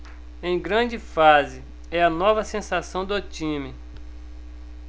em grande fase é a nova sensação do time